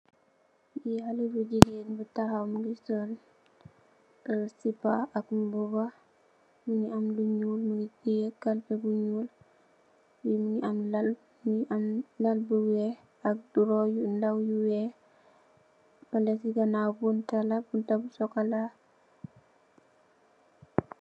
Lii haleh bu gigain bu takhaw mungy sol eh sipah ak mbuba, mungy am lu njull, mungy tiyeh kalpeh bu njull, mungy am lal, mungy am lal bu wekh ak draw yu ndaw, yu wekh, fehleh cii ganaw bunta la, bunta bu chocolat.